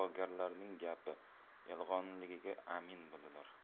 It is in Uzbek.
ig'vogarlarning gapi yolg'onligiga amin bo'lsinlar